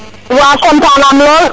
waw content nam lool